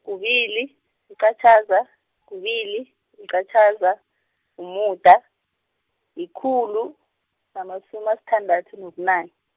kubili, liqatjhaza, kubili, yiqatjhaza, mumuda, yikhulu, namatjhumi, asithandathu nobunane.